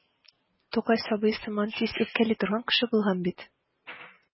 Тукай сабый сыман тиз үпкәли торган кеше булган бит.